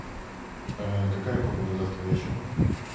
а какая погода завтра вечером